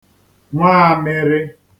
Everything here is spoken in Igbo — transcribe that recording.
nwaāmị̄rị̄